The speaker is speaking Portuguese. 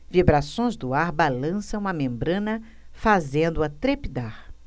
vibrações do ar balançam a membrana fazendo-a trepidar